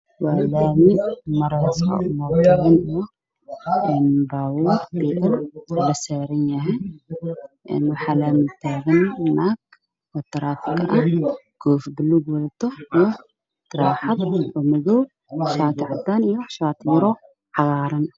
Waa laami waxaa maraayo mootooyin iyo baabuur lasaaran yahay, waxaa wadada taagan naag taraafiko ah waxay wataan koofi buluug, taraaxad madow, shaati cadaan ah iyo shaati cagaar ah.